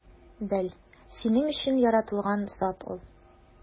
Бел: синең өчен яратылган зат ул!